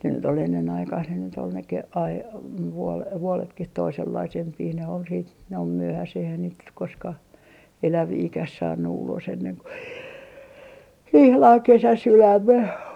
ne nyt oli ennen aikaisia ne nyt oli ne --- vuodetkin toisenlaisempia ne oli sitten ne oli myöhäiseen eihän niitä nyt koskaan eläviäkään saanut ulos ennen kuin ihan kesäsillään me